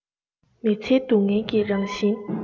མི ཚེའི སྡུག བསྔལ གྱི རང བཞིན